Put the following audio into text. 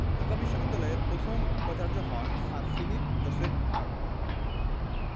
ঢাকা বিশ্ববিদ্যালয়ের প্রথম উপাচার্য হন স্যার ফিলিপ জোসেফ হার্টগ